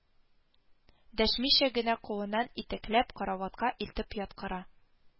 Дәшмичә генә кулыннан итәкләп караватка илтеп яткыра